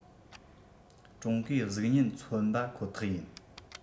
ཀྲུང གོའི གཟུགས བརྙན མཚོན གྱི པ ཁོ ཐག ཡིན